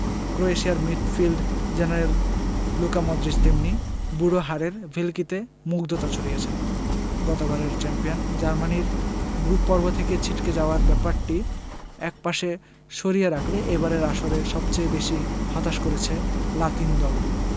ক্রোয়েশিয়ার midfield general Luka Modric তেমনি বুড়ো হাড়ের ভেলকিতে মুগ্ধতা ছড়িয়েছেন গতবারের চ্যাম্পিয়ন জার্মানির গ্রুপপর্ব থেকে ছিটকে যাওয়ার ব্যাপারটি একপাশে সরিয়ে রাখলে এবারের আসরে সবচেয়ে বেশি হতাশ করেছে লাতিন দলগুলো